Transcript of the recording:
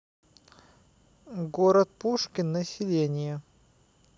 город пушкин население